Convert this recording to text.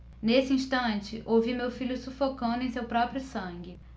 nesse instante ouvi meu filho sufocando em seu próprio sangue